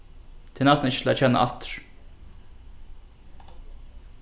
tað er næstan ikki til at kenna aftur